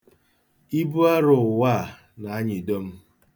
Ibu arọ ụwa a na-anyịdo m.